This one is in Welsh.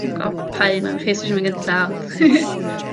'M g'o' pa un ono chi sy isie mynd gynta ond